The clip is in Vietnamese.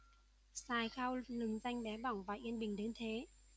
sài khao lừng danh bé bỏng và yên bình đến thế